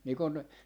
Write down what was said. niin kun